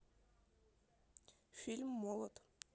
фильм молот